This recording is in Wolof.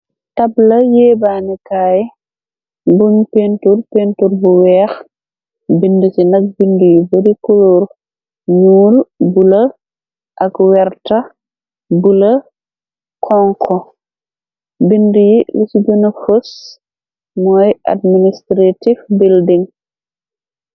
Tabla yébani kay buñ pentir pentir bu wèèx bindi ci nag bindi yu bari kulor ñuul, bula ak werta bula xonxu . Bindi yi li ci gëna fas moy administrative building.